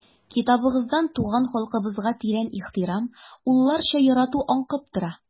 Китабыгыздан туган халкыбызга тирән ихтирам, улларча ярату аңкып тора.